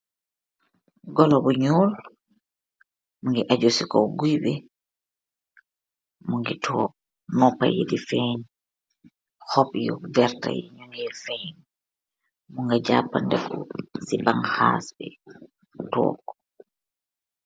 Goloh bu njull, mungy ahhju ci kaw guiiy bii, mungy tok nopah yii dii fengh, hohbb yu vertah yii njungeh fengh, mu nga japandeh ku cii banhass bii tok.